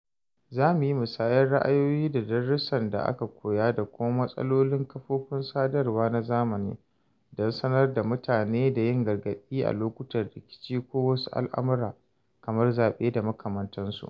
Za mu yi musayar ra'ayoyi da darussan da aka koya da kuma matsalolin kafofin sadarwa na zamani don sanar da mutane da yin gargaɗi a lokutan rikici ko wasu al'amura (kamar zaɓe da makamantansu).